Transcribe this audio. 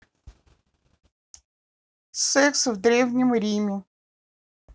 секс в древнем риме